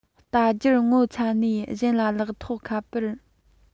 ལྟ རྒྱུར ངོ ཚ ནས གཞན ལ ལག ཐོགས ཁ པར